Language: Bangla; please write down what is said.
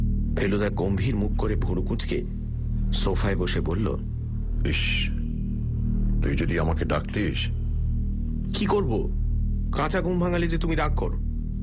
ফেলুদা গম্ভীর মুখ করে ভুরু কুচকে সোফায় বসে বলল ইস তুই যদি আমাকে ডাকতিস কী করব কাঁচ ঘুম ভাঙালে যে তুমি রাগ করো